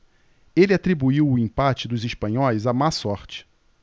ele atribuiu o empate dos espanhóis à má sorte